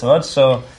...t'mod so...